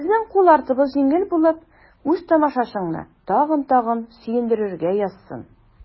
Безнең кул артыбыз җиңел булып, үз тамашачыңны тагын-тагын сөендерергә язсын.